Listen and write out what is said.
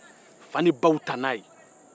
fa ni baw ta n'a ye